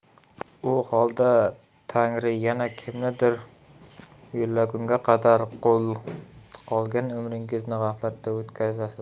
u holda tangri yana kimnidir yo'llagunga qadar qolgan umringizni g'aflatda o'tkazasiz